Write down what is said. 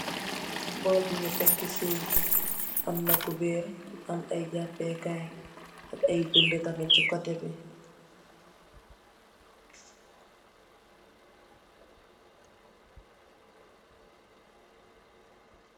Bóól bi ñu tek ci suuf am na kupeer am ay japeh kai am ay bindi tamit ci koteh bi.